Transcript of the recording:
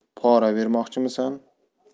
pora bermoqchimisan